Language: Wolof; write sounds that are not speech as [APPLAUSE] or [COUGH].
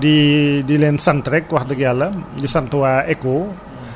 [HESITATION] ñàkkul ni di nga fi dellusiwaat si yeneen i émission [BREATH] [HESITATION] lan ngay tëjee émùission bi